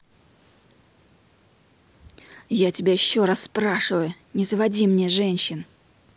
я тебя еще раз спрашиваю не заводи мне женщин